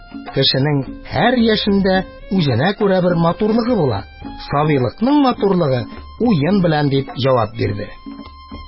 Кешенең һәр яшендә үзенә күрә бер матурлыгы була, сабыйлыкның матурлыгы уен белән, – дип җавап бирде.